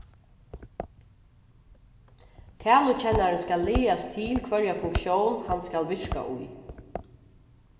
talukennarin skal lagast til hvørja funktión hann skal virka í